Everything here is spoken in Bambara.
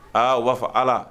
Aa u b'a fɔ ala